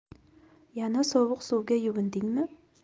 yana sovuq suvga yuvindingmi